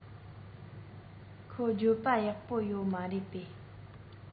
ཁོ སྤྱོད པ ཡག པོ ཡོད མ རེད པས